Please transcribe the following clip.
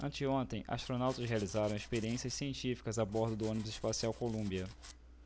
anteontem astronautas realizaram experiências científicas a bordo do ônibus espacial columbia